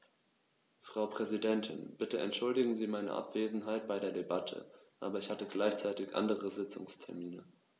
Frau Präsidentin, bitte entschuldigen Sie meine Abwesenheit bei der Debatte, aber ich hatte gleichzeitig andere Sitzungstermine.